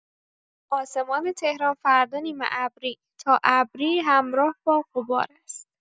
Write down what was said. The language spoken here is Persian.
آسمان تهران فردا نیمه‌ابری تا ابری همراه با غبار است.